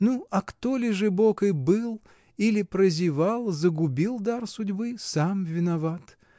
Ну а кто лежебокой был или прозевал, загубил дар судьбы — сам виноват!